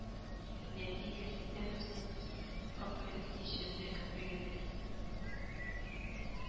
Нәти әсендә без утыз апрель кичендә көтмәгәндә